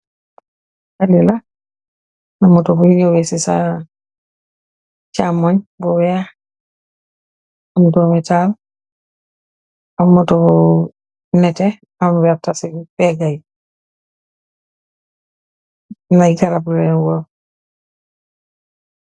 Talli la, am na moto bui ñaweh ci sa camoi bu wèèx ak doomi tahal ak motobu netteh am werta ci pegga yi.